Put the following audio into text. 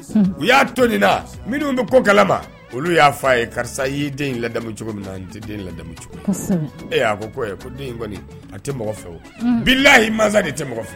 U y'a to nin na minnu bɛ ko kalama olu y'a fɔ a ye karisa i y'i den ladamu cogo min na ni tɛ den ladamu cogo ye e a ko den in kɔni a tɛ mɔgɔ fɛ bilahi mansa de tɛ mɔgɔ fɛ.